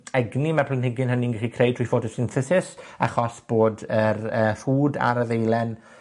egni ma' planhigyn hynny'n gallu creu trwy ffotosynthesis achos bod yr yy rhwd a'r y ddeilen,